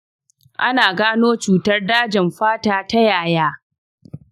ana gano cutar dajin fata ta yaya?